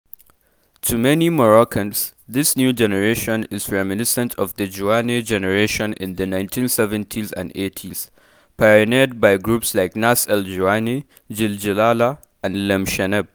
To many Moroccans, this new generation is reminiscent of the Ghiwane generation in the 1970s and 80s, pioneered by groups like Nass El Ghiwane, Jil Jilala and Lemchaheb.